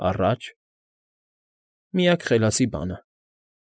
Առա՞ջ։ Միակ խելացի բանը։